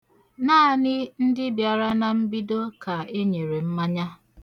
Naanị ndị bịara na mbido ka e nyere mmanya.